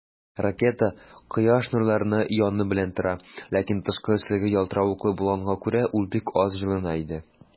Ракета Кояш нурларына яны белән тора, ләкин тышкы өслеге ялтыравыклы булганга күрә, ул бик аз җылына иде.